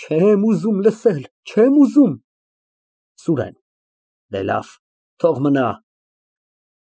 Չեմ ուզում լսել, չեմ ուզում։ ՍՈՒՐԵՆ ֊ Դե լավ, թող մնա։